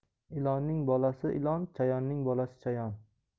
ilonning bolasi ilon chayonning bolasi chayon